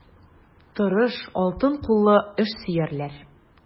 Тырыш, алтын куллы эшсөярләр.